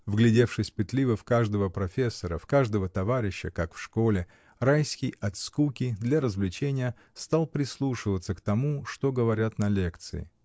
Вглядевшись пытливо в каждого профессора, в каждого товарища, как в школе, Райский, от скуки, для развлечения, стал прислушиваться к тому, что говорят на лекции.